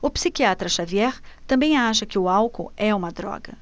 o psiquiatra dartiu xavier também acha que o álcool é uma droga